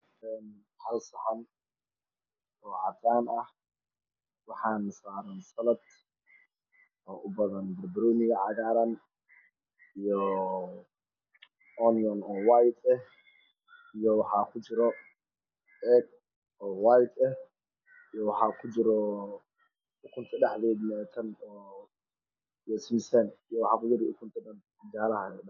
een Hal saxan oo cadaan eh waxaana saaran sanad oo u badan barbaroonida cagaaran iyo onniyow oo weyf eh iyo waxaa ku jiro beed oo weyf eh iyo waxa ku jiro ukunka dhexdeeda kan oo siisaan iyo ukunka jaalaha